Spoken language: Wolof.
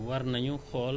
lu jafe la